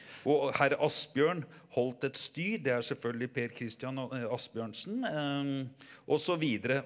og herr Asbjørn holdt et spyd, det er selvfølgelig Per Christian Asbjørnsen og så videre.